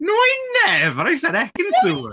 No I never. I said Ekin... yeah you ...Su!